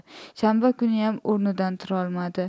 shanba kuniyam o'rnidan turolmadi